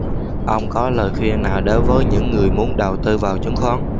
ông có lời khuyên nào đối với những người muốn đầu tư vào chứng khoán